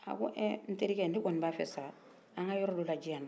a ko n terikɛ ne kɔni b'a fɛ sa an ka yɔrɔ dɔ lajɛ yan